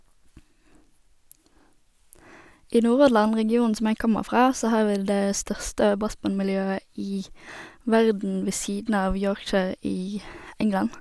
I Nordhordland, regionen som jeg kommer fra, så har vi det største brassbandmiljøet i verden ved siden av Yorkshire i England.